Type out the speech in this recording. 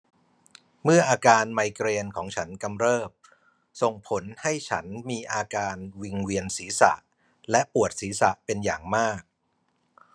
เมื่ออาการไมเกรนของฉันกำเริบส่งผลให้ฉันมีอาการวิงเวียนศีรษะและปวดศีรษะเป็นอย่างมาก